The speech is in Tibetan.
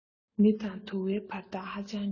མེ དང དུ བའི བར ཐག ཧ ཅང ཉེ